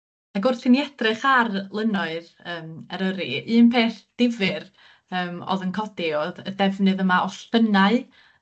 ac wrth i ni edrych ar lynnoedd yym Eryri, un peth difyr yym o'dd yn codi o'dd y defnydd yma o llynnau